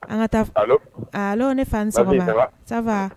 An ka taa, allo , allo ne fa, a ni sɔgɔma, ma fille ça va ? Ça va